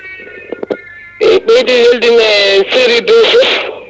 eyyi ɓeydi weldemi e série deux foof